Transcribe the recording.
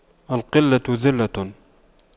القلة ذلة